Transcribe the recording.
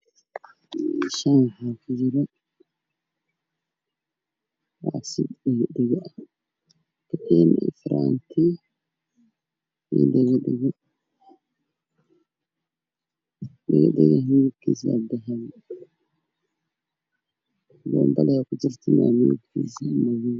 Meeshan waxaa yaalo weelal la dhaqaayo wiilasha way badanyihiin boolka ugu soo horeeyo waa koob